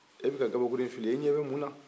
e bɛ ka gabakuru in fili e ɲɛ bɛ mun na